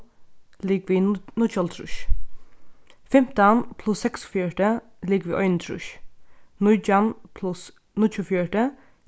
ligvið níggjuoghálvtrýss fimtan pluss seksogfjøruti er ligvið einogtrýss nítjan pluss níggjuogfjøruti